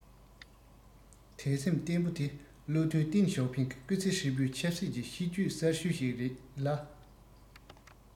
དད སེམས བརྟན པོ དེ བློ མཐུན ཏེང ཞའོ ཕིང གི སྐུ ཚེ ཧྲིལ པོའི ཆབ སྲིད ཀྱི གཤིས རྒྱུད གསལ ཤོས ཤིག རེད ལ